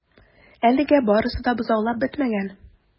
Әлегә барысы да бозаулап бетмәгән.